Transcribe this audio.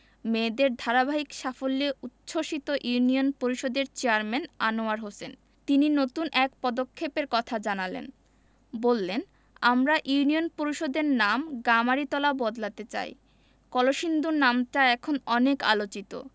মেয়েদের ধারাবাহিক সাফল্যে উচ্ছ্বসিত ইউনিয়ন পরিষদের চেয়ারম্যান আনোয়ার হোসেন তিনি নতুন এক পদক্ষেপের কথা জানালেন বললেন আমরা ইউনিয়ন পরিষদের নাম গামারিতলা বদলাতে চাই কলসিন্দুর নামটা এখন অনেক আলোচিত